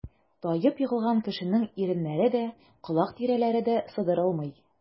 Таеп егылган кешенең иреннәре дә, колак тирәләре дә сыдырылмый.